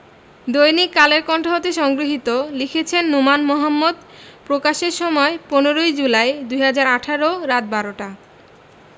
দৈনিক কালের কন্ঠ হতে সংগৃহীত লিখেছেন নোমান মোহাম্মদ প্রকাশের সময় ১৫ই জুলাই ২০১৮ রাত ১২ টা